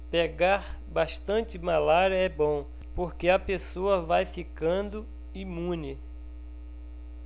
pegar bastante malária é bom porque a pessoa vai ficando imune